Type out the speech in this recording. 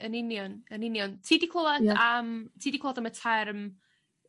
yn union yn union ti 'di clŵad... Ia. am ti 'di clŵad am y term